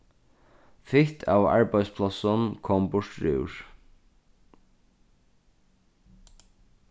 fitt av arbeiðsplássum kom burturúr